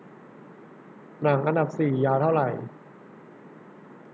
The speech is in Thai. หนังอันดับสี่ยาวเท่าไหร่